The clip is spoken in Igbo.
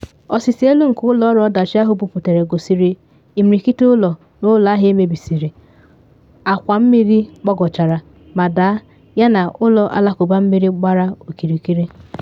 Ọsịse elu nke ụlọ ọrụ ọdachi ahụ buputere gosiri imirikiti ụlọ na ụlọ ahịa emebisiri, akwa mmiri gbagochara ma daa yana ụlọ alakụba mmiri gbara okirikiri.